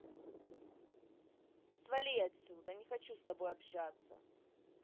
свали отсюда не хочу с тобой общаться